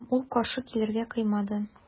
Һәм ул каршы килергә кыймады.